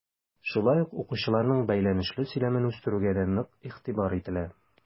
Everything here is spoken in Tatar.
Шулай ук укучыларның бәйләнешле сөйләмен үстерүгә дә нык игътибар ителә.